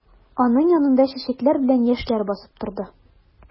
Аның янында чәчәкләр белән яшьләр басып торды.